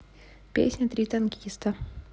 песня три танкиста